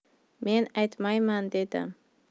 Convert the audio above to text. men aytmayman dedim